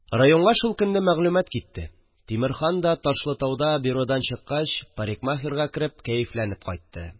Районга шул көнне мәгълүмәт китте, Тимерхан да, Ташлытауда бюродан чыккач, парикмахерга кереп, кәефләнеп кайтты